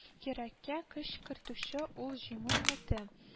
Йөрәккә көч кертүче ул җиңү өмөте